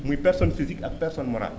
muy personne physique ak personne morale